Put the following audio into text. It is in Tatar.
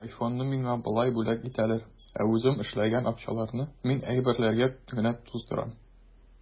Айфонны миңа болай бүләк итәләр, ә үзем эшләгән акчаларны мин әйберләргә генә туздырам.